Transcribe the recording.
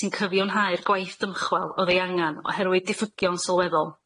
sy'n cyfiawnhau'r gwaith dymchwel o'dd ei angan oherwydd diffygion sylweddol.